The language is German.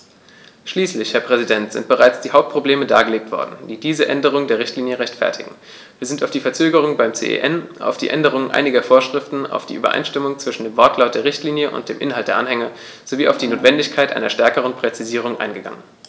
Schließlich, Herr Präsident, sind bereits die Hauptprobleme dargelegt worden, die diese Änderung der Richtlinie rechtfertigen, wir sind auf die Verzögerung beim CEN, auf die Änderung einiger Vorschriften, auf die Übereinstimmung zwischen dem Wortlaut der Richtlinie und dem Inhalt der Anhänge sowie auf die Notwendigkeit einer stärkeren Präzisierung eingegangen.